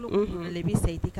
Unhun i be sa i ti ka